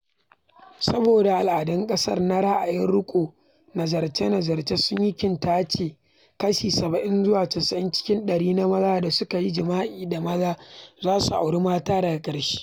Saboda al'adun ƙasar na ra'ayin rikau, nazarce-nazarce sun yi kintace cewa kashi 70 zuwa 90 cikin ɗari na maza da suka yi jima'i da maza za su auri mata daga ƙarshe.